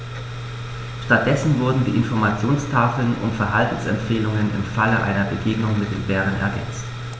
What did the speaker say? Stattdessen wurden die Informationstafeln um Verhaltensempfehlungen im Falle einer Begegnung mit dem Bären ergänzt.